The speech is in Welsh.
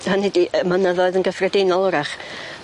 Hynny 'di yy mynyddoedd yn gyffredinol 'w'rach.